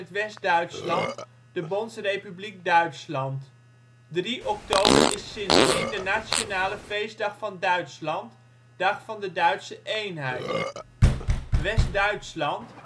West-Duitsland, de Bondsrepubliek Duitsland. 3 oktober is sindsdien de nationale feestdag van Duitsland (Dag van de Duitse Eenheid). West-Duitsland